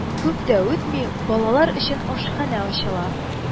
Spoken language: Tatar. Күп тә үтми, балалар өчен ашханә ачыла